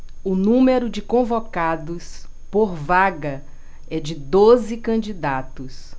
o número de convocados por vaga é de doze candidatos